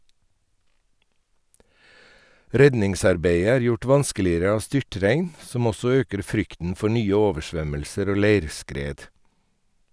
Redningsarbeidet er gjort vanskeligere av styrtregn, som også øker frykten for nye oversvømmelser og leirskred.